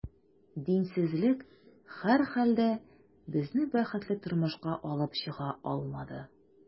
Динсезлек, һәрхәлдә, безне бәхетле тормышка алып чыга алмады.